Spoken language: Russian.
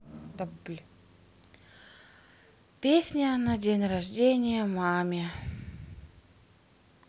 песня на день рождения маме